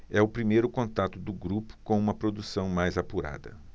é o primeiro contato do grupo com uma produção mais apurada